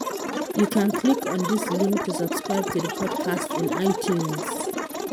You can click on this link to subscribe to the podcast in iTunes.